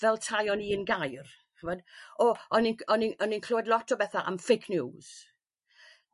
fel 'tai o'n un gair ch'mod o o'n i o'n i o'n i'n clywed lot o betha am fakenews.